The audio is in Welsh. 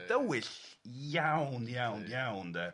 mae'n dywyll iawn iawn iawn... Yndy...